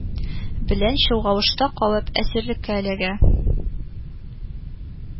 Белән чолганышта калып, әсирлеккә эләгә